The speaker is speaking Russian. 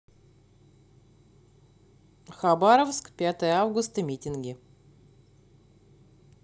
хабаровск пятое августа митинги